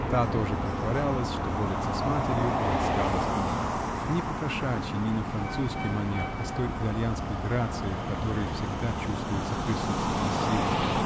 Та тоже притворялась, что борется с матерью, и ласкалась к ней -- но не по-кошачьи, не на французский манер, а с той итальянской грацией, в которой всегда чувствуется присутствие силы.